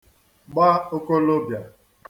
gba okolobịà